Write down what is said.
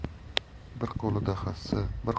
bir qo'lida hassa bir